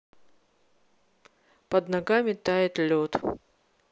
под ногами тает лед